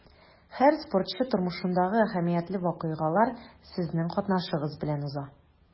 Һәр спортчы тормышындагы әһәмиятле вакыйгалар сезнең катнашыгыз белән уза.